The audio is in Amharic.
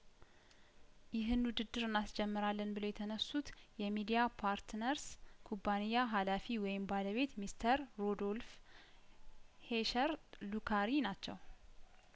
ይህን ውድድር እናስጀምራለን ብለው የተነሱት የሚዲያ ፓርትነርስ ኩባንያ ሀላፊ ወይም ባለቤት ሚስተር ሮዶልፍ ሄሸርሉ ካሪ ናቸው